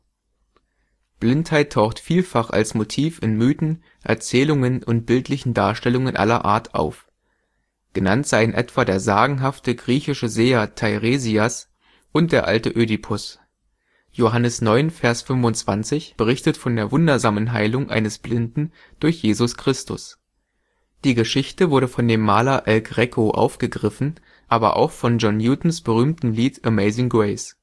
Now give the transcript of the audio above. Blindheit taucht vielfach als Motiv in Mythen, Erzählungen und bildlichen Darstellungen aller Art auf. Genannt seien etwa der sagenhafte griechische Seher Teiresias und der alte Ödipus. Joh 9,25 berichtet von der wundersamen Heilung eines Blinden durch Jesus Christus. Die Geschichte wurde von dem Maler El Greco aufgegriffen, aber auch von John Newtons berühmtem Lied Amazing Grace